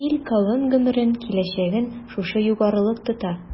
Ил-кавем гомерен, киләчәген шушы югарылык тота.